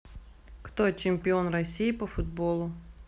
кто чемпион россии по футболу